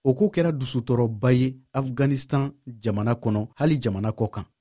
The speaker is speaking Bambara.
o ko kɛra dusutɔɔrɔba ye afiganisitan jamana kɔnɔ hali jamana kɔkan